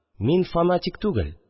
Мин фанатик түгел